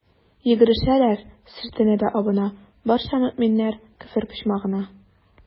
Йөгерешәләр, сөртенә дә абына, барча мөэминнәр «Көфер почмагы»на.